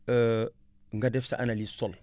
nga def sa analyse sol